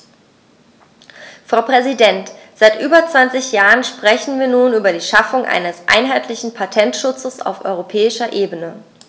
Frau Präsidentin, seit über 20 Jahren sprechen wir nun über die Schaffung eines einheitlichen Patentschutzes auf europäischer Ebene.